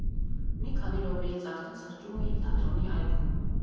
Մի քանի րոպեից արդեն սրճում էին թատրոնի այգում։